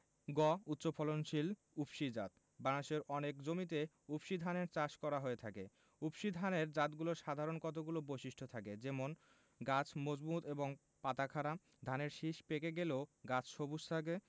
গ উচ্চফলনশীল উফশী জাতঃ বাংলাদেশের অনেক জমিতে উফশী ধানের চাষ করা হয়ে থাকে উফশী ধানের জাতগুলোর সাধারণ কতগুলো বৈশিষ্ট্য থাকে যেমনঃ গাছ মজবুত এবং পাতা খাড়া শীষের ধান পেকে গেলেও গাছ সবুজ থাকে